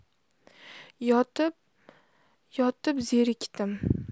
yotib yotib zerikdim